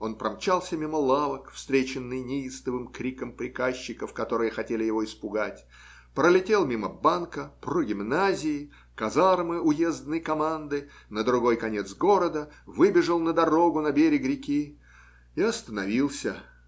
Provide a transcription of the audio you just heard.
Он промчался мимо лавок, встреченный неистовым криком приказчиков, которые хотели его испугать, пролетел мимо банка, прогимназии, казармы уездной команды, на другой конец города, выбежал на дорогу на берег реки и остановился.